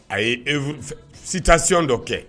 A ye sitasi dɔ kɛ